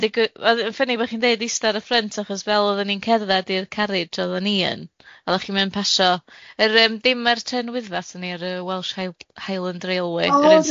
A digwy- wel yn ffyni bo' chi'n deud ista ar y ffrynt, achos fel odda ni'n cerdded i'r carij odd ni yn, odda chi'n myn pasio yr yym dim ar trên Wyddfa atho ni, yr yy Welsh High- Highland Railway.